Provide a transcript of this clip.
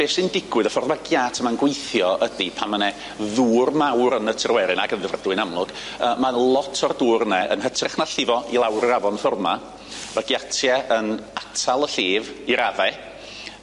Be' sy'n digwydd y ffor ma' giat yma'n gweithio ydi pan ma' 'ne ddŵr mawr yn y Tryweryn ag yn Ddyfrdwy'n amlwg yy ma' 'ne lot o'r dŵr yne yn hytrach na llifo i lawr i'r afon ffor' 'ma ma'r giatie yn atal y llif i raddau